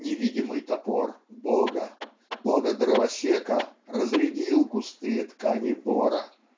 "Невидимый топор" Бога, Бога-Дровосека, разредил густые ткани бора